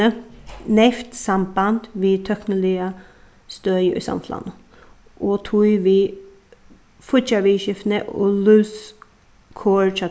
neyvt samband við tøkniliga støði í samfelagnum og tí við fíggjarviðurskiftini og lívskor hjá